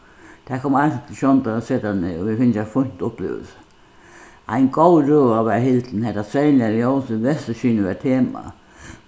tað kom eisini til sjóndar á setanini og vit fingu eitt fínt upplivilsi ein góð røða varð hildin har tað serliga ljósið vesturskinið var tema